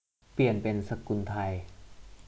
เปลี่ยนเป็นสกุลไทย